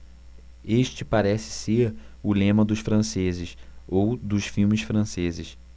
este parece ser o lema dos franceses ou dos filmes franceses